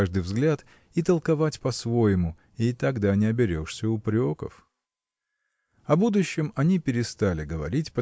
каждый взгляд и толковать по-своему и тогда не оберешься упреков. О будущем они перестали говорить